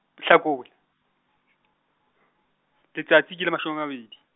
e tlha qola, ke tsatsi ke le mashome a mabedi.